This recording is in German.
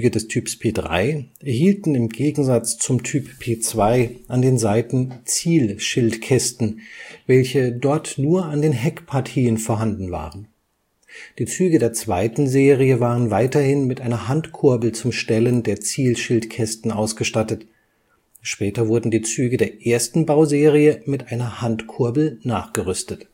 des Typs P 3 erhielten im Gegensatz zum Typ P 2 an den Seiten Zielschildkästen, welche dort nur an den Heckpartien vorhanden waren. Die Züge der zweiten Serie waren weiterhin mit einer Handkurbel zum Stellen der Zielschildkästen ausgestattet, später wurden die Züge der ersten Bauserie mit einer Handkurbel nachgerüstet